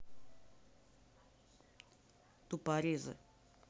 тупорезы